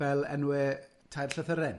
Fel enwau tair llythyren.